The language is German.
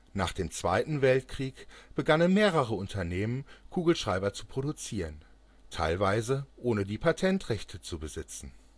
Nach dem 2. Weltkrieg begannen mehrere Unternehmen, Kugelschreiber zu produzieren, teilweise ohne die Patentrechte zu besitzen